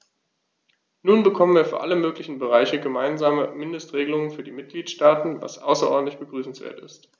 Nun bekommen wir für alle möglichen Bereiche gemeinsame Mindestregelungen für die Mitgliedstaaten, was außerordentlich begrüßenswert ist.